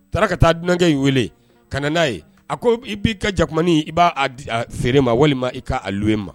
A taara ka taa dunan in wele ka n'a ye a ko i b'i ka jakumain i b'a di a seere ma walima i k'a lu e ma